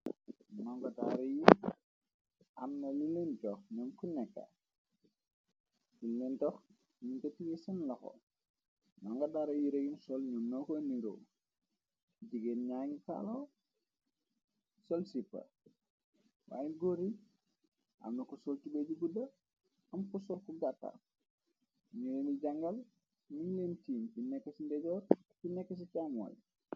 Mamba daara yi amna ñuleen jox ñoom k nek di leen tox ñiñ te tige seen laxo ñonga dara yi reyum sol ñoo na ko nigo jigéen ñaañu kaala sol siper waaye góori amna ko sol ci bay ji gudda am posor ku gàttar ñoo leni jàngal muñ leen tiim bi nekk ci ndejoor ci nekk ci càamooy.